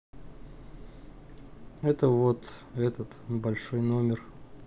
это вот этот большой номер